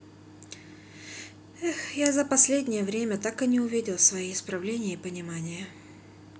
я за последнее время так и не увидел свои исправления и понимание